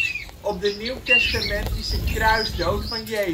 op de nieuwtestamentische kruisdood van Jezus